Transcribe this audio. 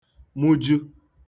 mụju